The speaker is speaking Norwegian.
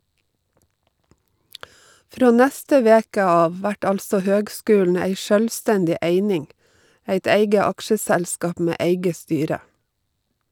Frå neste veke av vert altså høgskulen ei sjølvstendig eining, eit eige aksjeselskap med eige styre.